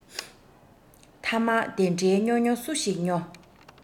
ཐ མ དེ འདྲའི སྨྱོ སྨྱོ སུ ཞིག སྨྱོ